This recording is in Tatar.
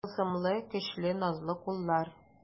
Тылсымлы, көчле, назлы куллар.